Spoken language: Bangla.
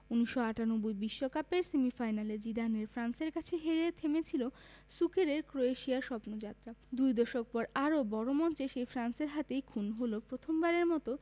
১৯৯৮ বিশ্বকাপের সেমিফাইনালে জিদানের ফ্রান্সের কাছে হেরে থেমেছিল সুকেরের ক্রোয়েশিয়ার স্বপ্নযাত্রা দুই দশক পর আরও বড় মঞ্চে সেই ফ্রান্সের হাতেই খুন হল প্রথমবারের মতো